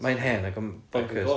mae'n hen ac yn bonkers